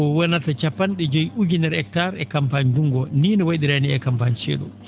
ko wonata capan?e joyi ujunere hectares e campagne ngunngu oo ni no wa?iraa ni e campagne cee?u